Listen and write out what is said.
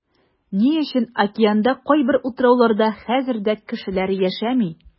Ни өчен океанда кайбер утрауларда хәзер дә кешеләр яшәми?